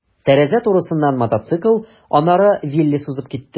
Тәрәзә турысыннан мотоцикл, аннары «Виллис» узып китте.